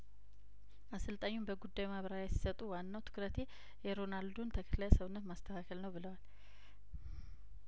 አሰልጣኙም በጉዳዩ ማብራሪያ ሲሰጡ ዋናው ትኩረ ቴ የሮናልዶን ተክለሰውነት ማስተካከል ነው ብለዋል